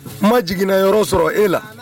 Kuma ma jiginna yɔrɔ sɔrɔ e la